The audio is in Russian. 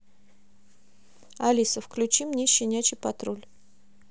алиса включи мне щенячий патруль